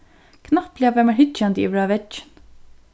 knappliga var mær hyggjandi yvir á veggin